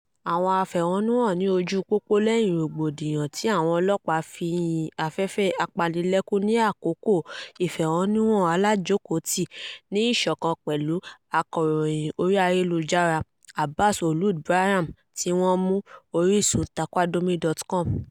Àwọn afẹ̀hónúhàn ní ojú pópó lẹ́yìn rògbòdìyàn tí àwọn ọlọ́pàá fi yin afẹ́fẹ́ apanilẹ́kún ní àkókò ìfẹ̀hónúhàn-alájòkòótì ní ìṣọ̀kan pẹ̀lú akọ̀ròyìn orí ayélujára Abbass Ould Braham tí wọ́n mú (orísun: Taqadoumy.com)